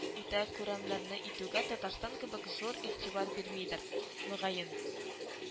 Үтә күренләрне итүгә татарстан кебек зур игътибар бирмидер, мөгаен